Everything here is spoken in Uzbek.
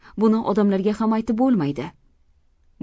buni odamlarga ham aytib bo'lmaydi